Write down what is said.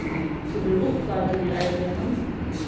tú verður upplærdur í arbeiðinum